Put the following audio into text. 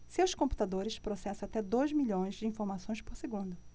seus computadores processam até dois milhões de informações por segundo